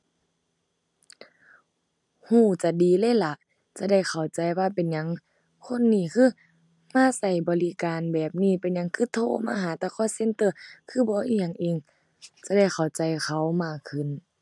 รู้จะดีเลยล่ะ จะได้เข้าใจว่าเป็นหยังคนนี้คือมารู้บริการแบบนี้ เป็นหยังคือโทรมาหาแต่ call center คือบ่อิหยังเอง จะได้เข้าใจเขามากขึ้น